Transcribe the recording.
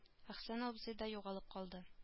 Әхсән абзый да югалып калды